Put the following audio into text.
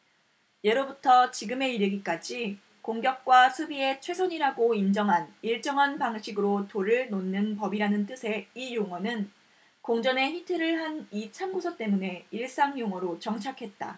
예로부터 지금에 이르기까지 공격과 수비에 최선이라고 인정한 일정한 방식으로 돌을 놓는 법이라는 뜻의 이 용어는 공전의 히트를 한 이 참고서 때문에 일상용어로 정착했다